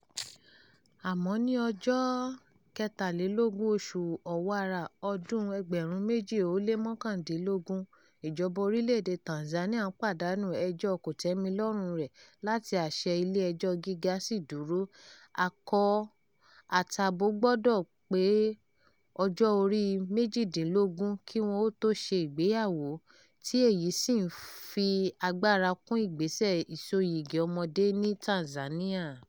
Àmọ́ ní ọjọ́ 23 oṣù Ọ̀wàrà ọdún-un 2019, ìjọba orílẹ̀ èdèe Tanzania pàdánù ẹjọ́ọ kòtẹ́milọ́rùnun rẹ̀ tí àṣẹ ilé ẹjọ́ gíga ṣì dúró: akọ àtabo gbọdọ̀ pé ọjọ́ orí méjìdínlógún kí wọn ó tó ṣe ìgbéyàwó, tí èyí sì ń fi agbára kún ìgbẹ́sẹ̀ ìsoyìgì ọmọdé ní Tanzania.